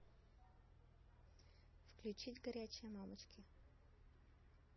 включить горячие мамочки